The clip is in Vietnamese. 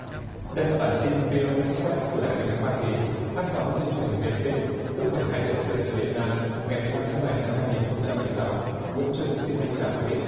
đây là bản tin vi en ích pét của đài tiếng nói hoa kỳ phát sóng trên truyền hình vệ tinh lúc mười hai giờ trưa giờ việt nam ngày mười lăm tháng bảy năm hai nghìn không trăm mười sáu nguyễn trung xin kính chào quý vị